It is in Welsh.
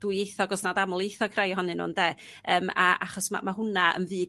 dwyieithog os nad amlieithog rai ohonyn n'w'n ynde? A yym achos ma' hwnna yn fyd